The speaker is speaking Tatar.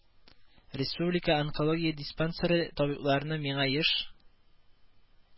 Республика онкология диспансеры табибларына миңа еш